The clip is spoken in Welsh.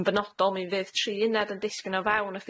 Yn benodol mi fydd tri uned yn disgyn o fewn y